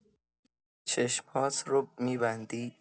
چشم‌هات رو می‌بندی.